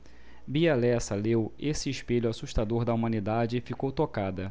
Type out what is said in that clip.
bia lessa leu esse espelho assustador da humanidade e ficou tocada